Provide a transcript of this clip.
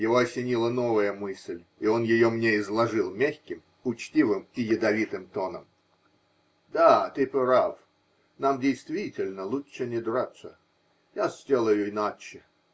его осенила новая мысль, и он ее мне изложил мягким, учтивым и ядовитым тоном: -- Да, ты прав, нам, действительно, лучше не драться. Я сделаю иначе.